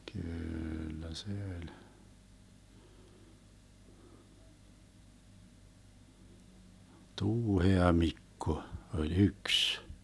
kyllä se oli Tuuhea-Mikko oli yksi